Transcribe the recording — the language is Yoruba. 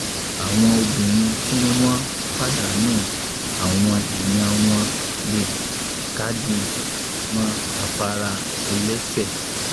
Àwọn obìnrin tí wọn pàdánù àwọn èèyàn wọn le káàdì mọ́ afárá-ẹlẹ́sẹ̀.